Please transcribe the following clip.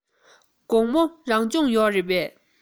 དགོང མོ རང སྦྱོང ཡོད རེད པས